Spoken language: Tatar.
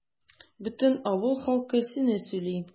Бөтен авыл халкы сине сөйли.